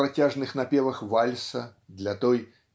в протяжных напевах вальса для той